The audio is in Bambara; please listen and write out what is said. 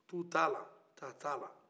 tu t'ala ta t'ala